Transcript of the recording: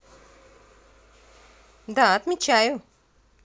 да отмечаю